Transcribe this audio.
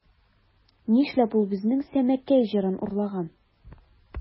Нишләп ул безнең Сәмәкәй җырын урлаган?